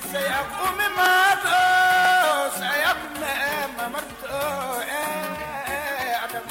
Sayakuma bɛ ma sa saya kun ma mɔ